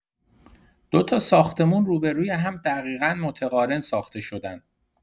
دوتا ساختمون روبه‌روی هم دقیقا متقارن ساخته‌شدن.